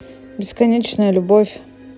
бесконечная любовь